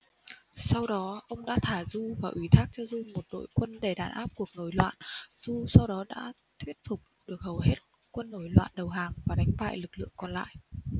sau đó ông đã thả du và ủy thác cho du một đội quân để đàn áp cuộc nổi loạn du sau đó đã thuyết phục được hầu hết quân nổi loạn đầu hàng và đánh bại lực lượng còn lại